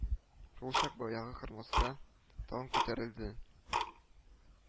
Шулчак баягы кырмыска тагын күтәрелде